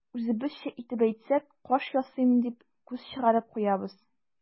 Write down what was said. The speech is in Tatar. Үзебезчә итеп әйтсәк, каш ясыйм дип, күз чыгарып куябыз.